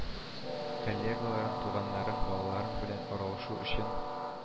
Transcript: Коллегаларың, туганнарың, балаларың белән аралашу өчен